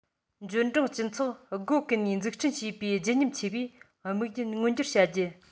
འབྱོར འབྲིང སྤྱི ཚོགས སྒོ ཀུན ནས འཛུགས སྐྲུན བྱེད པའི བརྗིད ཉམས ཆེ བའི དམིགས ཡུལ མངོན འགྱུར བྱ རྒྱུ